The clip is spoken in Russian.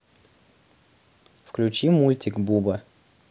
включи мультик буба